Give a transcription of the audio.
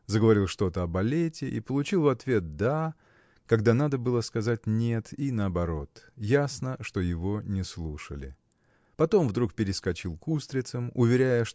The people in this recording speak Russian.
Заговорил что-то о балете и получил в ответ да когда надо было сказать нет и наоборот ясно, что его не слушали. Потом вдруг перескочил к устрицам уверяя